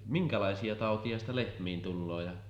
minkälaisia tauteja sitä lehmiin tulee ja